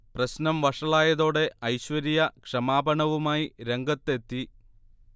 പ്രശ്നം വഷളായതോടെ ഐശ്വര്യ ക്ഷമാപണവുമായി രംഗത്ത് എത്തി